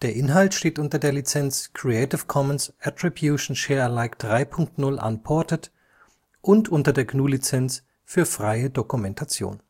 Inhalt steht unter der Lizenz Creative Commons Attribution Share Alike 3 Punkt 0 Unported und unter der GNU Lizenz für freie Dokumentation